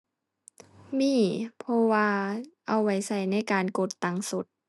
มี เพราะว่าเอาไว้ใช้ในการกดตังค์สด